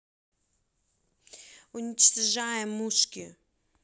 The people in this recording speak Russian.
уничтожаем ушки